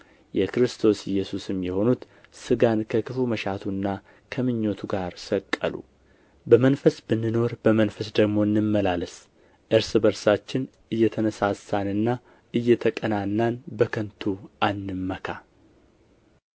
የክርስቶስ ኢየሱስም የሆኑቱ ሥጋን ከክፉ መሻቱና ከምኞቱ ጋር ሰቀሉ በመንፈስ ብንኖር በመንፈስ ደግሞ እንመላለስ እርስ በርሳችን እየተነሣሣንና እየተቀናናን በከንቱ አንመካ